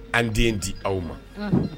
An den di aw ma